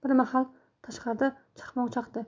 bir mahal tashqarida chaqmoq chaqdi